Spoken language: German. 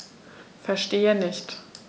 Verstehe nicht.